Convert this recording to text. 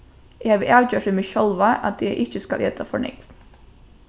eg havi avgjørt við meg sjálva at eg ikki skal eta for nógv